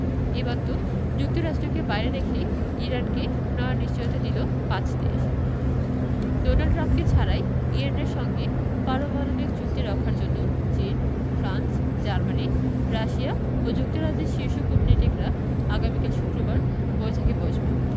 এবার তো যুক্তরাষ্ট্রকে বাইরে রেখেই ইরানকে নয়া নিশ্চয়তা দিল পাঁচ দেশ ডোনাল্ড ট্রাম্পকে ছাড়াই ইরানের সঙ্গে পারমাণবিক চুক্তি রক্ষার জন্য চীন ফ্রান্স জার্মানি রাশিয়া ও যুক্তরাজ্যের শীর্ষ কূটনীতিকরা আগামীকাল শুক্রবার বৈঠকে বসবেন